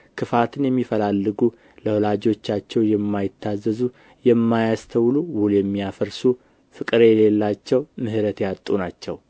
ክፋትን የሚፈላለጉ ለወላጆቻቸው የማይታዘዙ የማያስተውሉ ውል የሚያፈርሱ ፍቅር የሌላቸው ምሕረት ያጡ ናቸው